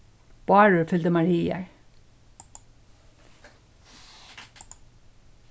bárður fylgdi mær higar